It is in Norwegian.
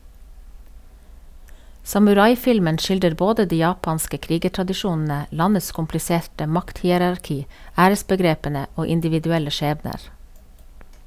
Samuraifilmen skildrer både de japanske krigertradisjonene, landets kompliserte makthierarki, æresbegrepene og individuelle skjebner.